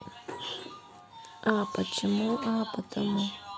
а почему а потому